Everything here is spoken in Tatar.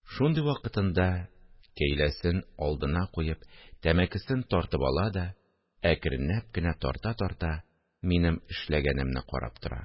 Шундый вакытында, кәйләсен алдына куеп, тәмәкесен тартып ала да, әкренләп кенә тарта-тарта, минем эшләгәнемне карап тор